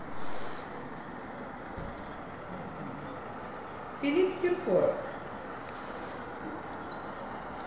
филипп киркоров